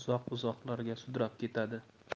uzoq uzoqlarga sudrab ketadi